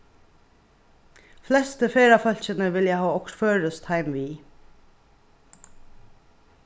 flestu ferðafólkini vilja hava okkurt føroyskt heim við